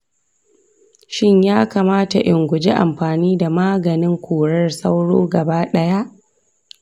shin ya kamata in guji amfani da maganin korar sauro gaba ɗaya?